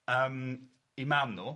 Yym ei mam nhw.